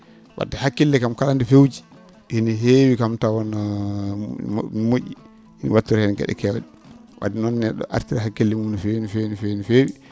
wadde hakkille kam kala nde fewji ene heewi kam tawana mo??i mi wattora heen ge?e keew?e wadde noon ne??o artira hakkille mum no feewi no feewi no feewi no feewi